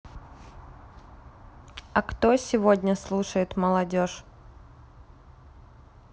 а кто сегодня слушает молодежь